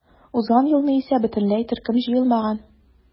Узган елны исә бөтенләй төркем җыелмаган.